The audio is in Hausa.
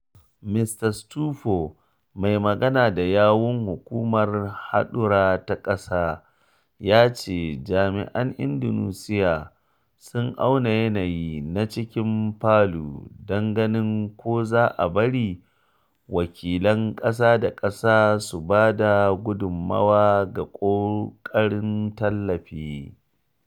Mista Sutopo, mai magana da yawun hukumar haɗura ta ƙasa, ya ce jami’an Indonesiya suna auna yanayin na cikin Palu don ganin ko za a bari wakilan ƙasa-da-ƙasa su ba da gudunmawa ga ƙoƙarin tallafi.